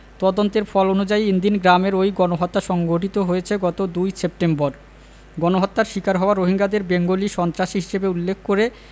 তদন্তের ফল অনুযায়ী ইনদিন গ্রামের ওই গণহত্যা সংঘটিত হয়েছে গত ২ সেপ্টেম্বর গণহত্যার শিকার হওয়া রোহিঙ্গাদের বেঙ্গলি সন্ত্রাসী হিসেবে উল্লেখ করে